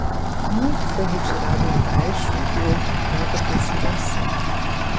muito foi retirado embaixo e outro tanto acrescido em cima